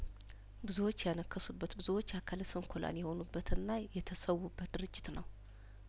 ብዙዎች ያነከሱበት ብዙዎች አካለስንኩላን የሆኑበትና የተሰዉበት ድርጅት ነው